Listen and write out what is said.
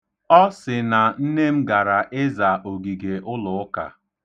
Ọ sị na nne m gara ịza ogige ụlụụka.